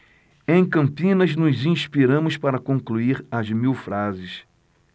em campinas nos inspiramos para concluir as mil frases